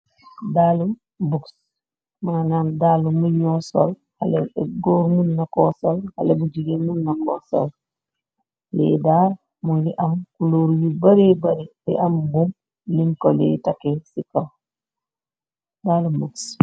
Daale bugs, manam daale më ñoo sol, xale bu góor mun na ko sol, xale bu jigeen mun na ko sol, lee daal mu ngi am kulóur yu bare bare, di am bum luñ ko lee take ci kawdaalu buxs